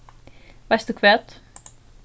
veitst tú hvat